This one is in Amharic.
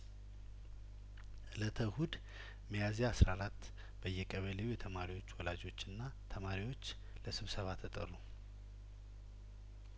እለተ እሁድ ሚያዝያአስራ አራት በየቀበሌው የተማሪዎች ወላጆችና ተማሪዎች ለስብሰባ ተጠሩ